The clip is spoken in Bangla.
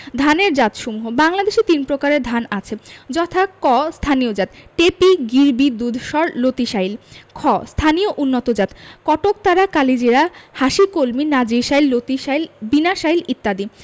ধানের জাতসমূহঃ বাংলাদেশে তিন প্রকারের ধান আছে যথাঃ ক স্থানীয় জাতঃ টেপি গিরবি দুধসর লতিশাইল খ স্থানীয় উন্নতজাতঃ কটকতারা কালিজিরা হাসিকলমি নাজির শাইল লতিশাইল বিনাশাইল ইত্যাদি